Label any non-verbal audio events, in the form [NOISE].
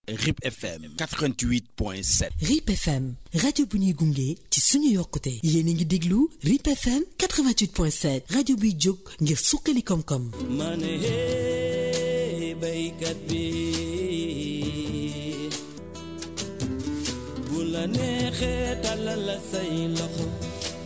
RIP FM 88 point 7 RIP FM rajo bu ñuy gunge ci suñu yokkute yéen a ngi déglu RIP FM 88 point 7 rajo bi jóg ngir suqali koom-koom [MUSIC]